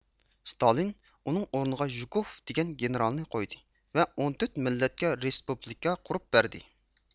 ستالىن ئۇنىڭ ئورنىغا ژۇكۇف دېگەن گېنېرالنى قويدى ۋە ئون تۆت مىللەتكە رېسپۇبلىكا قۇرۇپ بەردى